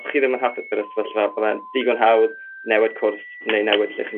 chi ddim yn hapus gyda'r sefyllfa bydde'n digon hawdd newid cwrs neu newid lle chi'n